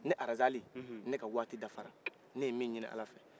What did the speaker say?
ne arazali ne ka waati dafara ne ye min ɲinin ala fɛ